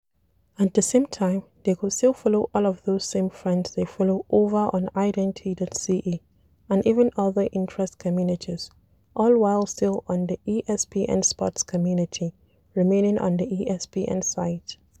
At the same time, they could still follow all of those same friends they follow over on Identi.ca and even other interest communities, all while still on the ESPN sports community, remaining on the ESPN site.